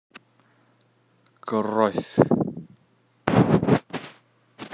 кровь